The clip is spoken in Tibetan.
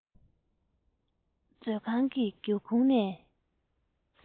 མཛོད ཁང གི སྒེའུ ཁུང ནས